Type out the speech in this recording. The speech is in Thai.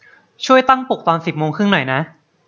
ช่วยตั้งปลุกตอนสิบโมงครึ่งหน่อยนะ